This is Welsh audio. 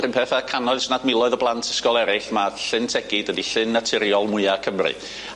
yr un peth â cannoedd os nad miloedd o blant ysgol eryll ma' Llyn Tegid ydi llyn naturiol mwya Cymru.